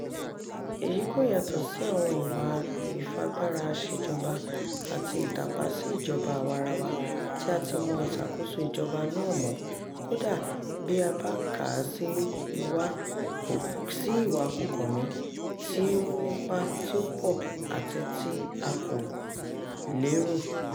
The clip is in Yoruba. Èyí kò yàtọ̀ sí àwọn ìwà ìfagbáraṣèjọba àti ìtàpá sí ìjọba àwa-arawa tí a ti mọ ìṣàkóso ìjọba náà mọ́n, kódà bí a bá kà á sí ìwàa kò kàn mí, tí ó nípa tí ó pọ̀ àti tí a kò lérò.